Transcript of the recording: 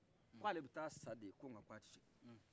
k' ale bi taa sa de ko nka k' ati segin